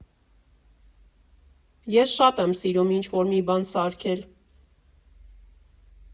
Ես շատ եմ սիրում ինչ֊որ մի բան սարքել։